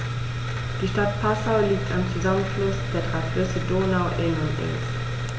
Die Stadt Passau liegt am Zusammenfluss der drei Flüsse Donau, Inn und Ilz.